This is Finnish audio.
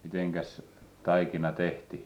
mitenkäs taikina tehtiin